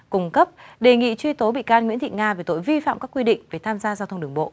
cùng cấp đề nghị truy tố bị can nguyễn thị nga về tội vi phạm các quy định về tham gia giao thông đường bộ